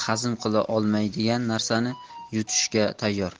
hazm qila olmaydigan narsani yutishga tayyor